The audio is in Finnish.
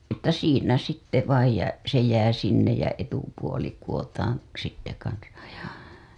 että siinä sitten vain ja se jää sinne ja etupuoli kudotaan sitten kanssa ja